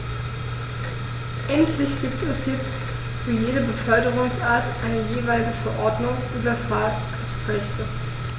Endlich gibt es jetzt für jede Beförderungsart eine jeweilige Verordnung über Fahrgastrechte.